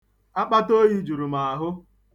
Akpataoyi juru m ahụ.̣